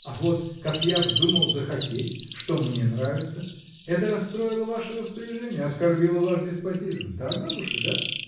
А вот как я вздумал захотеть, что мне нравится, это расстроило ваши распоряжения, оскорбило ваш деспотизм. Так, бабушка, да?